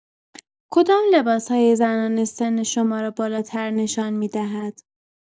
کدام لباس‌های زنانه سن شما را بالاتر نشان می‌دهد؟!